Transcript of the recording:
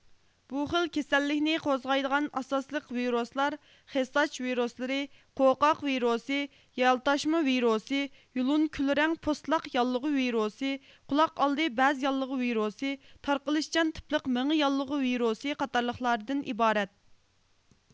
بۇ خىل كېسەللىكنى قوزغايدىغان ئاساسلىق ۋىرۇسلار خېساچ ۋىرۇسلىرى قوقاق ۋىرۇسى يەلتاشما ۋىرۇسى يۇلۇن كۈل رەڭ پوستلاق ياللۇغى ۋىرۇسى قۇلاق ئالدى بەز ياللۇغى ۋىرۇسى تارقىلىشچان تىپلىق مېڭە ياللۇغى ۋىرۇسى قاتارلىقلاردىن ئىبارەت